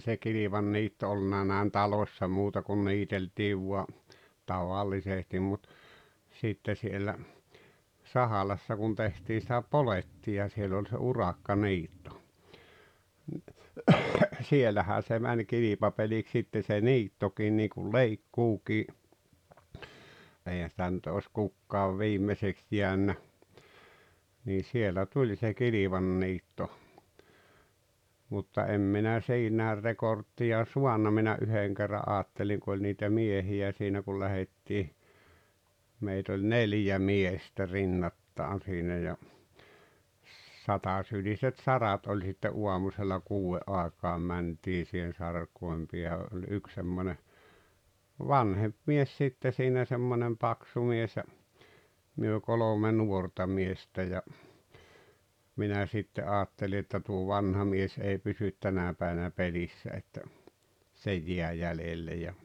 se kilvanniitto ollut näin talossa muuta kuin niiteltiin vain tavallisesti mutta sitten siellä Sahalassa kun tehtiin sitä polettia siellä oli se urakkaniitto ne siellähän se meni kilpapeliksi sitten se niittokin niin kuin leikkuukin eihän sitä nyt ole kukaan viimeiseksi jäänyt niin siellä tuli se kilvanniitto mutta en minä siinä rekordia saanut minä yhden kerran ajattelin kun oli niitä miehiä siinä kun lähdettiin meitä oli neljä miestä rinnakkain siinä ja satasyliset sarat oli sitten aamusella kuuden aikaan mentiin siihen sarkojen päähän oli yksi semmoinen vanhempi mies sitten siinä semmoinen paksu mies ja me kolme nuorta miestä ja minä sitten ajattelin että tuo vanha mies ei pysy tänä päivänä pelissä että se jäi jäljelle ja